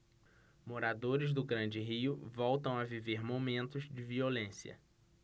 moradores do grande rio voltam a viver momentos de violência